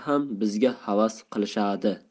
ham bizga havas qilishadi